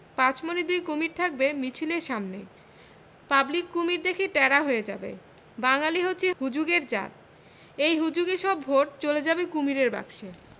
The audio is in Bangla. পাঁচমণি দুই কুমীর থাকবে মিছিলের সামনে পাবলিক কুমীর দেখে ট্যারা হয়ে যাবে বাঙ্গালী হচ্ছে হুজুগের জাত এই হুজুগে সব ভোট চলে যাবে কুমীরের বাক্সে